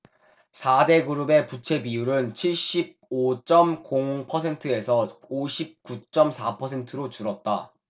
사 대그룹의 부채비율은 칠십 오 쩜 공 퍼센트에서 오십 구 쩜 사 퍼센트로 줄었다